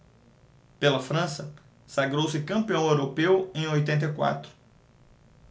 pela frança sagrou-se campeão europeu em oitenta e quatro